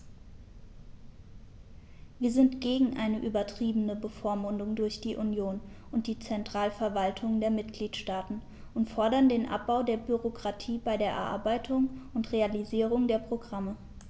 Wir sind gegen eine übertriebene Bevormundung durch die Union und die Zentralverwaltungen der Mitgliedstaaten und fordern den Abbau der Bürokratie bei der Erarbeitung und Realisierung der Programme.